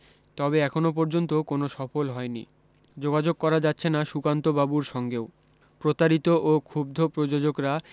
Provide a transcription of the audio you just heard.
তবে এখনও পর্যন্ত কোনও সফল হয়নি যোগাযোগ করা যাচ্ছে না সুকান্তবাবুর সঙ্গেও প্রতারিত ও ক্ষুব্ধ প্রযোজকরা